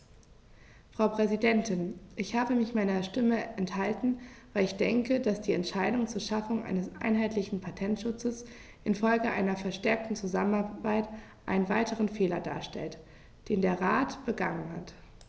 Frau Präsidentin, ich habe mich meiner Stimme enthalten, weil ich denke, dass die Entscheidung zur Schaffung eines einheitlichen Patentschutzes in Folge einer verstärkten Zusammenarbeit einen weiteren Fehler darstellt, den der Rat begangen hat.